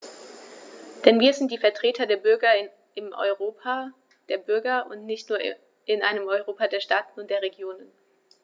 Denn wir sind die Vertreter der Bürger im Europa der Bürger und nicht nur in einem Europa der Staaten und der Regionen.